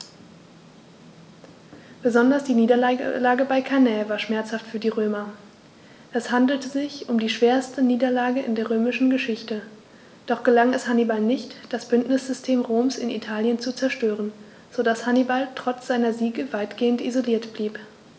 Besonders die Niederlage bei Cannae war schmerzhaft für die Römer: Es handelte sich um die schwerste Niederlage in der römischen Geschichte, doch gelang es Hannibal nicht, das Bündnissystem Roms in Italien zu zerstören, sodass Hannibal trotz seiner Siege weitgehend isoliert blieb.